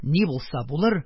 Ни булса булыр,